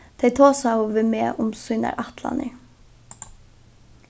tey tosaðu við meg um sínar ætlanir